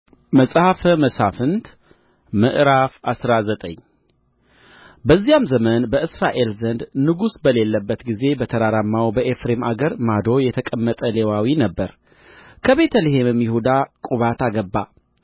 መጽሐፈ መሣፍንት ምዕራፍ አስራ ዘጠኝ በዚያም ዘመን በእስራኤል ዘንድ ንጉሥ በሌለበት ጊዜ በተራራማው በኤፍሬም አገር ማዶ የተቀመጠ ሌዋዊ ነበረ ከቤተ ልሔምም ይሁዳ ቁባት አገባ